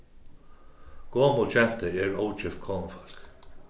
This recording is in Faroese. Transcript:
gomul genta er ógift konufólk